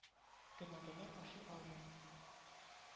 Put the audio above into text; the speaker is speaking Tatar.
Кенәгәләр ашый алмыйм.